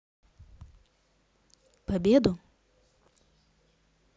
победу